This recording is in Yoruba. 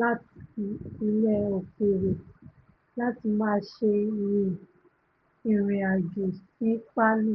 láti ilẹ̀-òkèèrè láti máṣe rin ìrìn-àjò sí Palu.